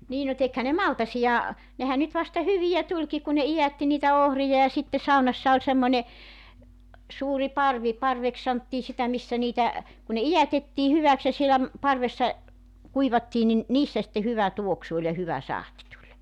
niin no tekihän ne maltaita nehän nyt vasta hyviä tulikin kun ne idätti niitä ohria ja sitten saunassa oli semmoinen suuri parvi parveksi sanottiin sitä missä niitä kun ne idätettiin hyväksi ja siellä parvessa kuivattiin niin niissä sitten hyvä tuoksu oli ja hyvä sahti tuli